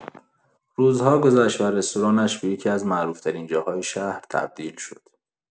روزها گذشت و رستورانش به یکی‌از معروف‌ترین جاهای شهر تبدیل شد.